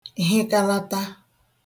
hịkalata